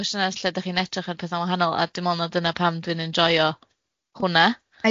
gwestiyna lle 'da chi'n edrach ar petha'n wahanol a dwi'n enjoio hwnna.